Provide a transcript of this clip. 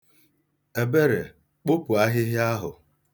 Ebere, kpopụ ahịhịa ahụ.